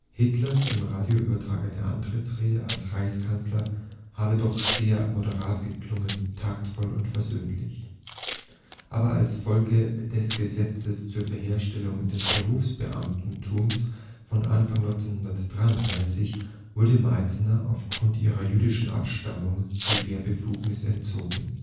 Hitlers im Radio übertragene Antrittsrede als Reichskanzler habe doch „ sehr moderat geklungen, taktvoll und versöhnlich “. Aber als Folge des Gesetzes zur Wiederherstellung des Berufsbeamtentums von Anfang April 1933 wurde Meitner aufgrund ihrer jüdischen Abstammung die Lehrbefugnis entzogen